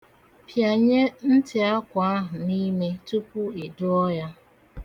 Pịanye ntị akwa ahụ n'ime tupu i dụọ ya.